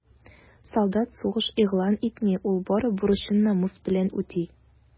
Солдат сугыш игълан итми, ул бары бурычын намус белән үти.